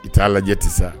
I t' lajɛ tɛ sa